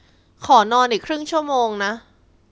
ขอนอนอีกครึ่งชั่วโมงนะ